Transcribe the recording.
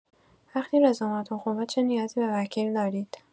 وقتی رزومه اتون خوبه چه نیازی به وکیل دارید!